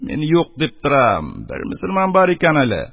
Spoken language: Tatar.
— мин юк дип торам, бер мөселман бар икән әле!